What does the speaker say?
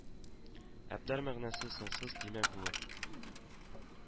Әбтәр мәгънәсе соңсыз тимәк булыр